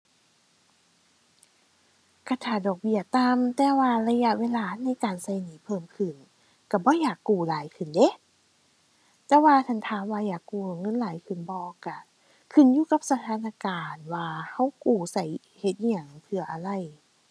ก็ถ้าดอกเบี้ยต่ำ แต่ว่าระยะเวลาในการก็หนี้เพิ่มขึ้น ก็บ่อยากกู้หลายขึ้นเดะ แต่ว่าหั้นถามว่าอยากกู้เงินหลายขึ้นบ่ ก็ขึ้นอยู่กับสถานการณ์ว่าก็กู้ก็เฮ็ดอิหยัง เพื่ออะไร